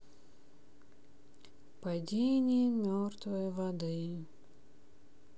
падение мертвой воды